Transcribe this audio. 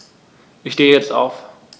Ich stehe jetzt auf.